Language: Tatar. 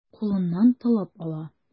Кулыннан талап ала.